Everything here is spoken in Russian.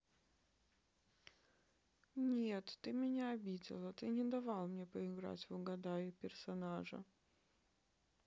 нет ты меня обидела ты не давал мне поиграть в угадай персонажа